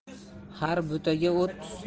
har butaga o't tushsa